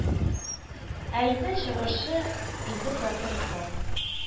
Ә итнең чыгышы илле проценттан